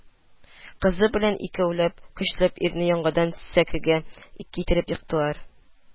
Кызы белән икәүләп, көчләп ирне яңадан сәкегә китереп ектылар